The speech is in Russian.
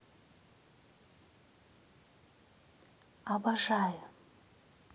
обожаю